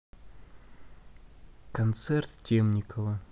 концерт темникова